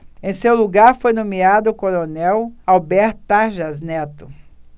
em seu lugar foi nomeado o coronel alberto tarjas neto